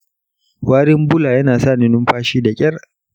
warin bula yana sa ni numfashi da kyar.